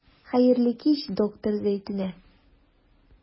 Хәерле кич, доктор Зәйтүнә.